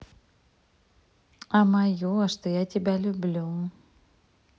а мое что я тебя люблю